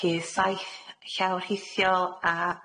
Felly saith llawr rhithiol a,